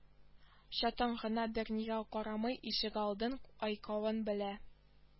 Чатан гына бернигә карамый ишегалдын айкавын белә